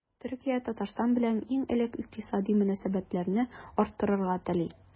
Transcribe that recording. Төркия Татарстан белән иң элек икътисади мөнәсәбәтләрне арттырырга тели.